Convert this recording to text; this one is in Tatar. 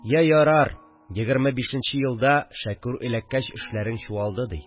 Я, ярар, егерме бишенче елда Шәкүр эләккәч эшләрең чуалды ди